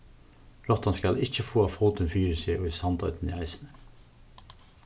rottan skal ikki fáa fótin fyri seg í sandoynni eisini